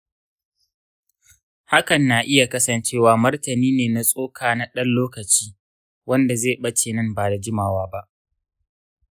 hakan na iya kasancewa martani ne na tsoka na ɗan lokaci, wanda zai bace nan ba da jimawa ba.